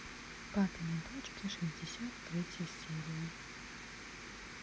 папины дочки шестьдесят третья серия